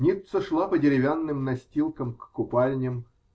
*** Ницца шла по деревянным настилкам к купальням.